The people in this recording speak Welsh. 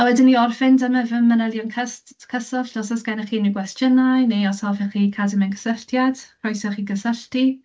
A wedyn i orffen, dyma fy manylion cysllt cyswllt, os oes gennych chi unrhyw gwestiynau, neu os hoffech chi cadw mewn cysylltiad, croeso i chi gysylltu.